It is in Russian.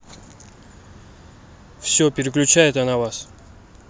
все переключает она вас